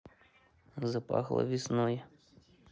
запахло весной